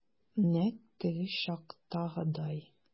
Нәкъ теге чактагыдай.